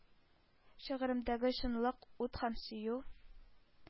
Шигъремдәге чынлык, ут һәм сөю —